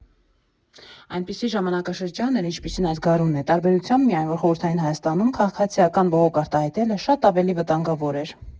«Այնպիսի ժամանակաշրջան էր, ինչպիսին այս գարունն է, տարբերությամբ միայն, որ Խորհրդային Հայաստանում քաղաքացիական բողոք արտահայտելը շատ ավելի վտանգավոր էր։